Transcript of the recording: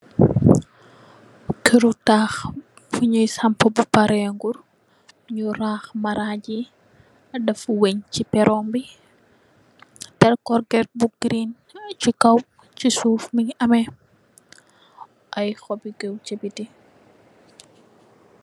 Keuru taax fonyui sampa tex baregut nyu raax maragi def weng si perong bi def korget bu green si kaw si suuf mongi ame ay xoobi dew si bitti.